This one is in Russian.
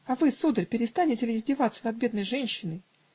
-- а вы, сударь, перестанете ли издеваться над бедной женщиной?